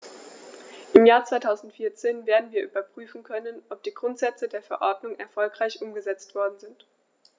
Im Jahr 2014 werden wir überprüfen können, ob die Grundsätze der Verordnung erfolgreich umgesetzt worden sind.